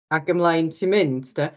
Ac ymlaen ti'n mynd de.